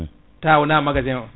taw wona magasin o